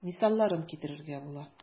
Мисалларын китерергә була.